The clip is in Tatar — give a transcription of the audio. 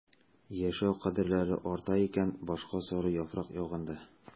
Яшәү кадерләре арта икән башка сары яфрак яуганда...